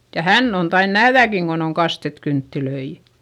ja hän on tainnut nähdäkin kun on kastettu kynttilöitä